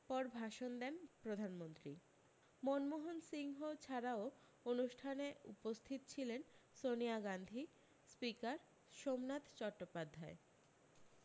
পর ভাষণ দেন প্রধানমন্ত্রী মনমোহন সিংহ ছাড়াও অনুষ্ঠানে উপস্থিত ছিলেন সনিয়া গান্ধী স্পীকার সোমনাথ চট্টোপাধ্যায়